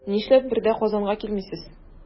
Нишләп бер дә Казанга килмисез?